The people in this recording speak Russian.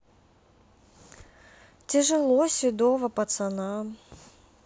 тяжело седого пацана